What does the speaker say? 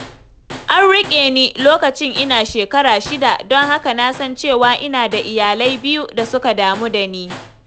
An riƙe ni lokacin ina da shekara shida don haka na san cewa ina da iyalai biyu da suka damu da ni.